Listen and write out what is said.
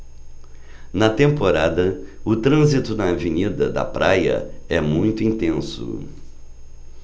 na temporada o trânsito na avenida da praia é muito intenso